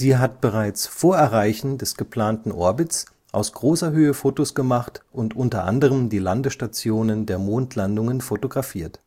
hat bereits vor Erreichen des geplanten Orbits aus großer Höhe Fotos gemacht und unter anderem die Landestationen der Mondlandungen fotografiert